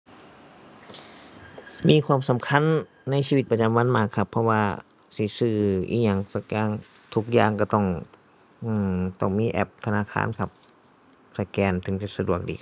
มีความสำคัญในชีวิตประจำวันมากครับเพราะว่า สิซื้ออิหยังสักอย่าง ทุกอย่างก็ต้อง อื้อ ต้องมีแอปธนาคารครับ สแกนถึงจะสะดวกดี